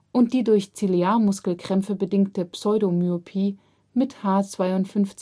und die durch Ciliarmuskelkrämpfe bedingte Pseudomyopie mit H52.5